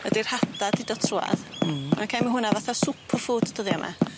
ydi'r hada 'di do trwadd. Hmm. Oce ma' hwnna fatha super food dyddia' 'ma.